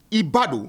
I ba don